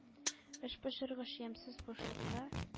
Эчпошыргыч ямьсез бушлыкка;